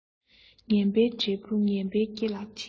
ངན པའི འབྲས བུ ངན པའི སྐེ ལ འཁྲིལ